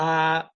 a